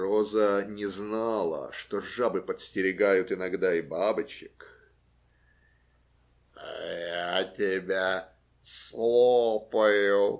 Роза не знала, что жабы подстерегают иногда и бабочек. - Я тебя слопаю!